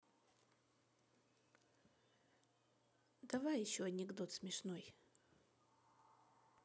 давай еще анекдот смешной